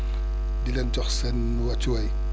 di leen jox seen wàccuwaay